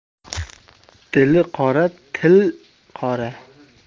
dili qora till qora